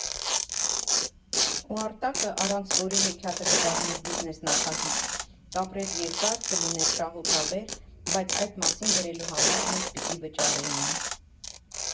Ու Արտակը, առանց որի հեքիաթը կդառնար բիզնես նախագիծ, կապրեր երկար, կլիներ շահութաբեր, բայց այդ մասին գրելու համար մեզ պիտի վճարեին։